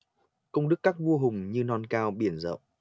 công đức các vua hùng như non cao biển rộng